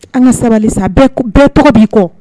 An ka sabali sa bɛɛ tɔgɔ b'i kɔ